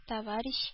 Товарищ